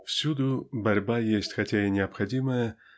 Всюду борьба есть хотя и необходимая